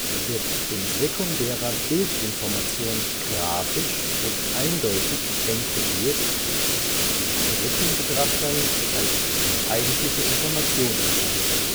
wird in sekundärer Bildinformation grafisch und eindeutig enkodiert, die dritten Betrachtern als die eigentliche Information erscheinen soll